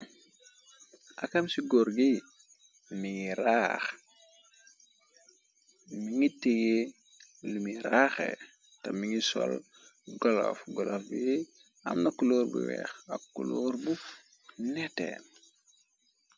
Akam ci goor gi mongi raax mongi tege lumui raaxe te mongi sol golof golof we amna kuloor bu weex ak kuloor bu netee.